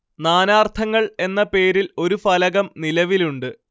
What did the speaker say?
നാനാർത്ഥങ്ങൾ എന്ന പേരിൽ ഒരു ഫലകം നിലവിലുണ്ട്